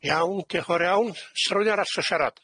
Iawn, diolch yn fawr iawn. S'a r'win arall isio siarad?